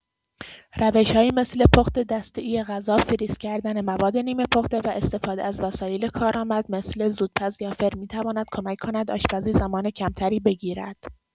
روش‌هایی مثل پخت دسته‌ای غذا، فریز کردن مواد نیمه‌پخته و استفاده از وسایل کارآمد مثل زودپز یا فر می‌تواند کمک کند آشپزی زمان کم‌تری بگیرد.